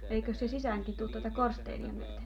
eikös se sisäänkin tule tuota korsteenia myöten